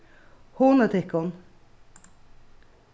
hugnið tykkum